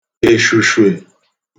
èshùshwè